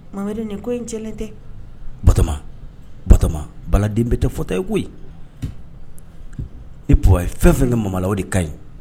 Mama wɛrɛri nin ko in cɛlen tɛ ba bato baladen bɛ tɛ fɔta ye koyi i ye fɛn fɛn ka ma o de ka ɲi